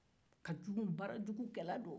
a ka jugu baarajugukɛra do